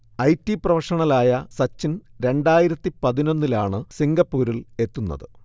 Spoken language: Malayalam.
ഐടി പ്രൊഫഷണലായ സച്ചിൻ രണ്ടായിരത്തി പതിനൊന്നിലാണ് സിംഗപ്പൂരിൽ എത്തുന്നത്